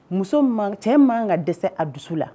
Muso cɛ man ka dɛsɛ a dusu la